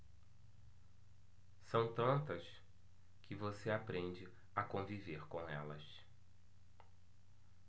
são tantas que você aprende a conviver com elas